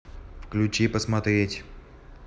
включи посмотреть